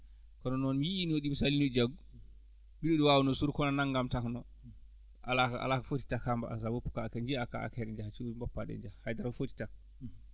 kono noon yiyii no ɗum saliama jaggu mbiɗo waawno ɗum suuɗ kono ko naggam taknoo alaa alaa ko foti taka mbaasa woppu kaake njiyaa kaake ɗee suudu ngopaaɗe ɗe njaya hay dara o fottita